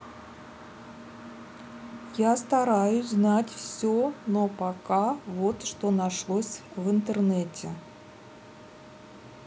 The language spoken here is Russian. я стараюсь знать все но пока вот что нашлось в интернете